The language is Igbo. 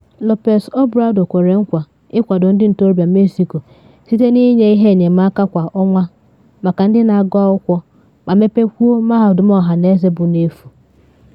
Lopez Obrador kwere nkwa ịkwado ndị ntorobịa Mexico site na ịnye ihe enyemaka kwa ọnwa maka ndị na agụ akwụkwọ ma mepekwuo mahadum ọhaneze bụ n’efu.